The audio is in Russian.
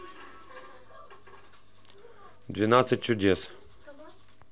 двенадцать чудес